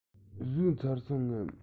ཟོས ཚར སོང ངམ